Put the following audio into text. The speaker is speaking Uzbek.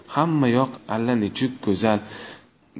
hammayoq allanechuk go'zal